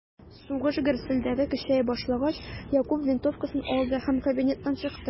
Сугыш гөрселдәве көчәя башлагач, Якуб винтовкасын алды һәм кабинеттан чыкты.